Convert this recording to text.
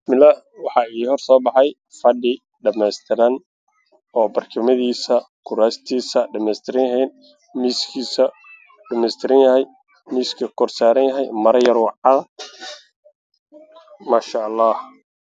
Waa qol waxaa ka ifaayo reer caddaan ah waxaa yaalla fadhi cadaan barkima saaran yihiin miis